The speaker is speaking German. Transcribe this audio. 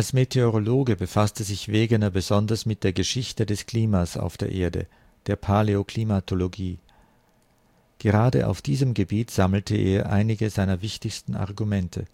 Meteorologe befasste sich Wegener besonders mit der Geschichte des Klimas auf der Erde (Paläoklimatologie). Gerade auf diesem Gebiet sammelte er einige seiner wichtigsten Argumente